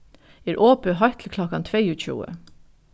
er opið heilt til klokkan tveyogtjúgu